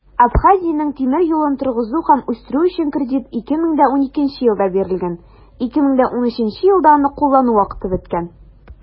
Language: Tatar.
Абхазиянең тимер юлын торгызу һәм үстерү өчен кредит 2012 елда бирелгән, 2013 елда аны куллану вакыты беткән.